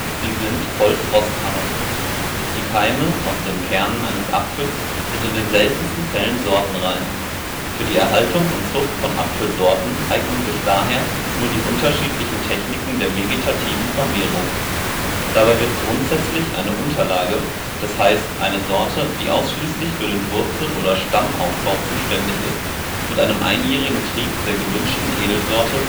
Sie sind voll frosthart. Die Keime (aus den Kernen = Samen) eines Apfels sind in den seltensten Fällen sortenrein. Für die Erhaltung und Zucht von Apfelsorten eignen sich daher nur die unterschiedlichen Techniken der vegetativen Vermehrung. Dabei wird grundsätzlich eine Unterlage, d. h. eine Sorte, die ausschließlich für den Wurzel - oder Stammaufbau zuständig ist, mit einem einjährigen Trieb der gewünschten Edelsorte